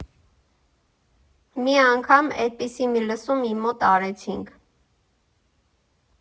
Մի անգամ էդպիսի մի լսում իմ մոտ արեցինք։